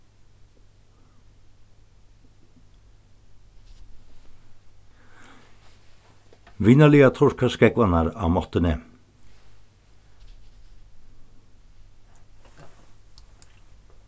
vinarliga turka skógvarnar á mottuni